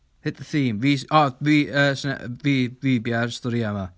Hit the theme. Fi sy... O fi yy sn- yy... Fi fi biau'r storïau yma.